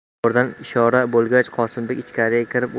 boburdan ishora bo'lgach qosimbek ichkariga kirib